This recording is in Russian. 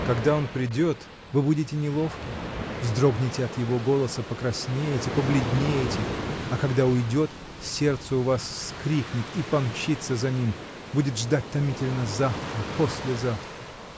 Когда он придет, вы будете неловки, вздрогнете от его голоса, покраснеете, побледнеете, а когда уйдет, сердце у вас вскрикнет и помчится за ним, будет ждать томительно завтра, послезавтра.